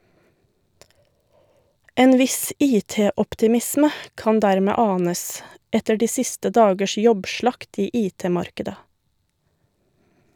En viss IT-optimisme kan dermed anes, etter de siste dagers jobbslakt i IT-markedet.